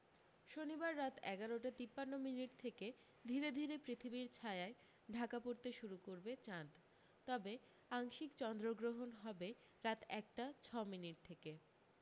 শনিবার রাত এগারোটা তিপ্পান্ন মিনিট থেকে ধীরে ধীরে পৃথিবীর ছায়ায় ঢাকা পড়ূতে যেতে শুরু করবে চাঁদ তবে আংশিক চন্দ্রগ্রহণ হবে রাত একটা ছমিনিট থেকে